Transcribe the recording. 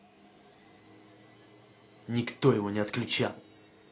никто его не отключал